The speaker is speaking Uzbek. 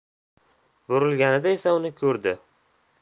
burilganida esa uni ko'rdi